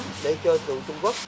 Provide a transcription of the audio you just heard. để cho trường trung quốc